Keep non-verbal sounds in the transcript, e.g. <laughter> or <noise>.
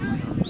<noise> <hesitation> <hesitation>